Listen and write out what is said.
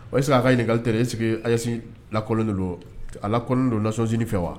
O yese sera a ka ɲini ɲininkakali tɛ e'i sigi ayisi lakɔ de don a kɔnɔn don laonc fɛ wa